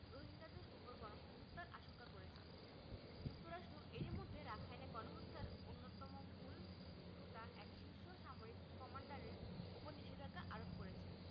রোহিঙ্গাদের ওপর গণহত্যার আশঙ্কা করেছেন যুক্তরাষ্ট্র এরই মধ্যে রাখাইনে গণহত্যার অন্যতম মূল হোতা এক শীর্ষ সামরিক কমান্ডারের ওপর নিষেধাজ্ঞা আরোপ করেছেন